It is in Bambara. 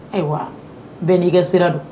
Ayiwa bɛɛ n'i kɛ sira don